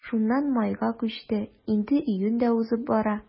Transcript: Шуннан майга күчте, инде июнь дә узып бара.